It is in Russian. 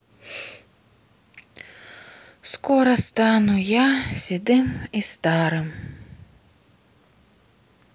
скоро стану я седым и старым